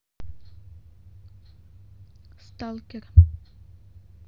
stalker